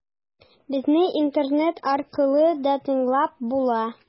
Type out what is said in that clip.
Безне интернет аркылы да тыңлап була.